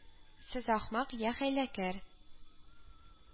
Сез ахмак, я хәйләкәр